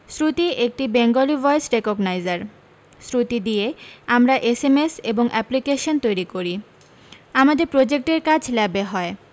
শ্রুতি একটি Bengali voice recogniser Shruti দিয়ে আমরা এসএমএস এবং অ্যাপলিকেশন তৈরী করি আমাদের প্রোজেক্ট এর কাজ ল্যাবে হয়